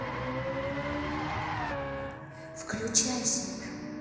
выключайся уже